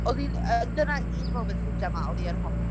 O'n ni... Yy dyna un moment o Gemma o'n ni yn hoffi